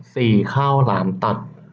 สี่ข้าวหลามตัด